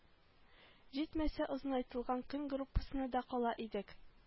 Җитмәсә озынайтылган көн группасына да кала идек